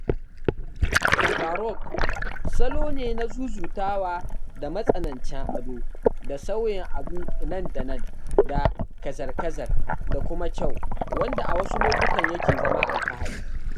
Baroque salo ne na zuzutawa da matsanancin ado da sauyin abu nan da nan da kazarkazar da kuma kyau wanda a wasu lokutan yake zama alfahari.